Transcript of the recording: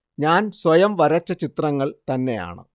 ഞാൻ സ്വയം വരച്ച ചിത്രങ്ങൾ തന്നെയാണ്